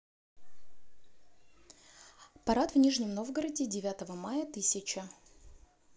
парад в нижнем новгороде девятого мая тысяча